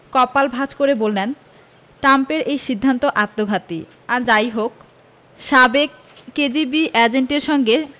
কপাল ভাঁজ করে বললেন ট্রাম্পের এই সিদ্ধান্ত আত্মঘাতী আর যা ই হোক সাবেক কেজিবি এজেন্টের সঙ্গে